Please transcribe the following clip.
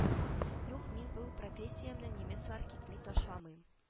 Юк мин бу профессиямне немецлар китми ташламыйм